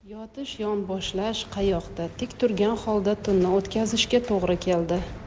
yotish yonboshlash qayoqda tik turgan holda tunni o'tkazishga to'g'ri keldi